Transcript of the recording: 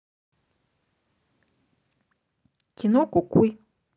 кино кукуй